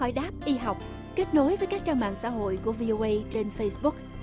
hỏi đáp y học kết nối với các trang mạng xã hội của vy ô ây trên phây bút